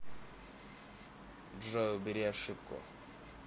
джой убери ошибку